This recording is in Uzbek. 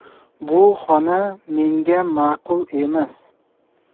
bu xona menga ma'qul emas